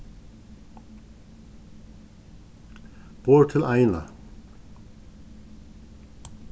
borð til eina